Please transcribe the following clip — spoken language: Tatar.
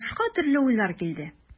Башка төрле уйлар килде.